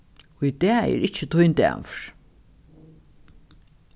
í dag er ikki tín dagur